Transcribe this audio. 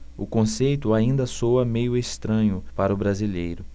o conceito ainda soa meio estranho para o brasileiro